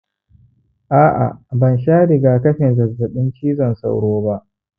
a'a bansha rigakafin zazzaɓin cizon sauro ba